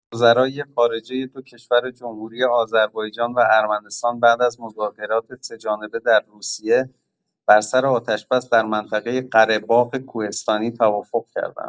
وزرای خارجه دو کشور جمهوری آذربایجان و ارمنستان بعد از مذاکرات سه‌جانبه در روسیه، بر سر آتش‌بس در منطقه «قره‌باغ کوهستانی» توافق کردند.